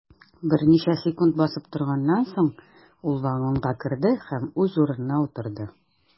Берничә секунд басып торганнан соң, ул вагонга керде һәм үз урынына утырды.